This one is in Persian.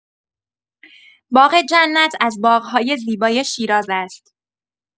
باغ جنت از باغ‌های زیبای شیراز است.